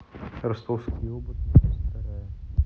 ростовские оборотни часть вторая